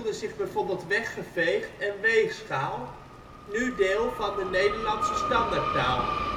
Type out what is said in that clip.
zich bijvoorbeeld weggeveegd en weegschaal, nu deel van de Nederlandse standaardtaal